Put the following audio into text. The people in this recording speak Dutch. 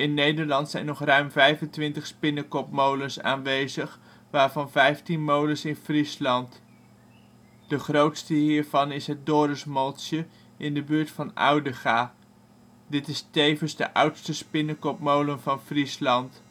Nederland zijn nog ruim 25 spinnekopmolens aanwezig, waarvan 15 molens in Friesland. De grootste hiervan is het Doris Mooltsje in de buurt van Oudega. Dit is tevens de oudste spinnekopmolen van Friesland